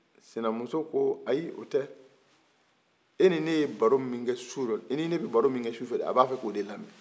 sinamuso ko ayi o tɛ e ni ne ye baro min kɛ surɔ i ni ne bi baro min kɛ sufɛ a b'a fɛ k'o de lamɛ e